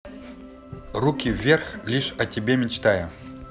руки вверх лишь о тебе мечтаю